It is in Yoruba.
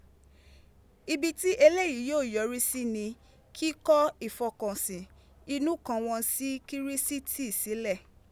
Ibi ti eleyii yoo yori si ni kiko ifokansin inu kan won si Kirisiti sile